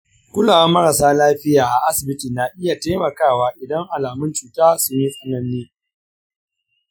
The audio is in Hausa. kulawar marasa lafiya a asibiti na iya taimakawa idan alamun cuta sun yi tsanani.